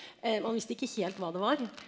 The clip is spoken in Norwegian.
man visste ikke helt hva det var.